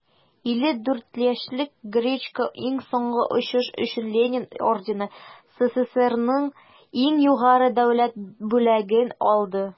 54 яшьлек гречко иң соңгы очыш өчен ленин ордены - сссрның иң югары дәүләт бүләген алды.